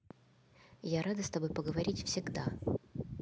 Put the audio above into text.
я рада с тобой поговорить всегда